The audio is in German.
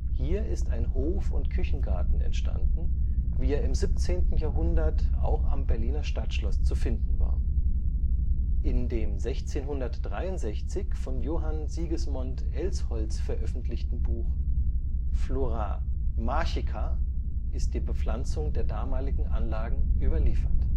Hier ist ein Hof - und Küchengarten entstanden, wie er im 17. Jahrhundert auch am Berliner Stadtschloss zu finden war. In dem 1663 von Johann Sigismund Elsholtz veröffentlichen Buch „ Flora Marchica “ist die Bepflanzung der damaligen Anlagen überliefert